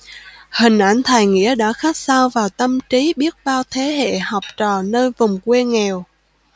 hình ảnh thầy nghĩa đã khắc sâu vào tâm trí biết bao thế hệ học trò nơi vùng quê nghèo